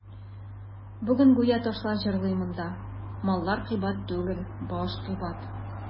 Бүген гүя ташлар җырлый монда: «Маллар кыйбат түгел, баш кыйбат».